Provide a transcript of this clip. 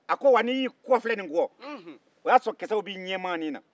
a ko wa ni y'i kɔfilɛ nin kɔ a y'a sɔrɔ kisɛw b'i ɲɛmaanin